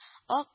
Ак